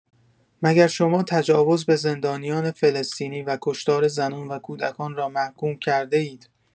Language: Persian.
مگر شما تجاوز به زندانیان فلسطینی و کشتار زنان و کودکان را محکوم کرده‌اید؟